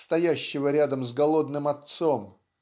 стоящего рядом с голодным отцом